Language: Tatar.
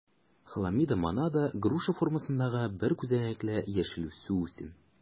Хламидомонада - груша формасындагы бер күзәнәкле яшел суүсем.